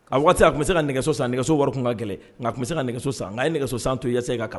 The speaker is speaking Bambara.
A waati a tun bɛ se ka nɛgɛso san nɛgɛso wari tun kan ka gɛlɛn nka tun bɛ se ka nɛgɛso san nka ye nɛgɛso san to e se ka kala